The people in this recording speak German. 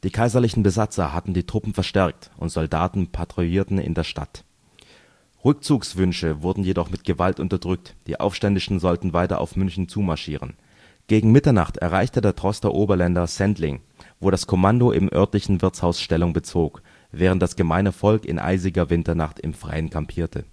kaiserlichen Besatzer hatten die Truppen verstärkt und Soldaten patrouillierten in der Stadt. Rückzugswünsche wurden jedoch mit Gewalt unterdrückt, die Aufständischen sollten weiter auf München zumarschieren. Gegen Mitternacht erreichte der Tross der Oberländer Sendling, wo das Kommando im örtlichen Wirtshaus Stellung bezog, während das gemeine Volk in eisiger Winternacht im Freien kampierte